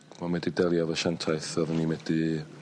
wel ma' 'di delio efo siantaith oddwn i medu